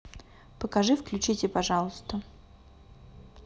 покажи включите пожалуйста